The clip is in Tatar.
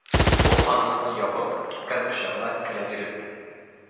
Ул анасының ябык, кипкән кочагына керә биреп: